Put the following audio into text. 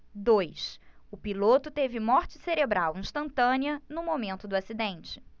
dois o piloto teve morte cerebral instantânea no momento do acidente